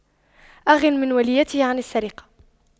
أغن من وليته عن السرقة